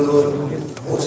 luôn